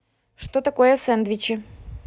что такое сэндвичи